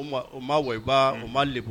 O ma waba o ma leku